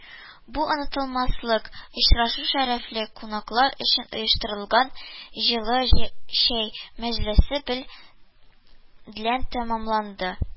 Бу онытылмаслык очрашу шәрәфле кунаклар өчен оештырылган җылы чәй мәҗлесе бел тәмамланды